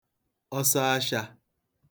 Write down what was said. ọsọashā